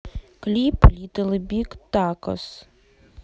клип литтл биг такос